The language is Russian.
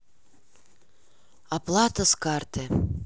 оплата с карты